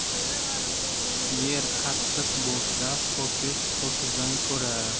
yer qattiq bo'lsa ho'kiz ho'kizdan ko'rar